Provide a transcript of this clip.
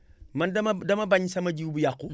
man dama dama bañ sama jiw bu yàqu